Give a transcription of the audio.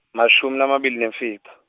mashumi lamabili nemfica.